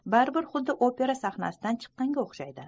baribir xuddi opera sahnasidan chiqqanga o'xshaydi